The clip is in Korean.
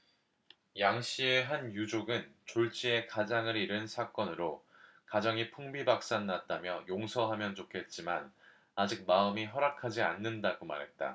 양 씨의 한 유족은 졸지에 가장을 잃은 사건으로 가정이 풍비박산 났다며 용서하면 좋겠지만 아직 마음이 허락하지 않는다고 말했다